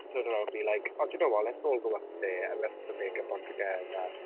To turn around and be like oh d'you know what, let's all go up there and let's put the makeup on together.